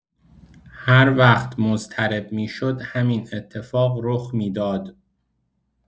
هر وقت مضطرب می‌شد همین اتفاق رخ می‌داد.